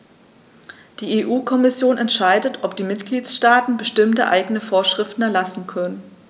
Die EU-Kommission entscheidet, ob die Mitgliedstaaten bestimmte eigene Vorschriften erlassen können.